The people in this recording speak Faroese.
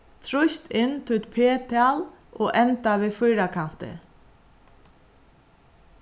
trýst inn títt p-tal og enda við fýrakanti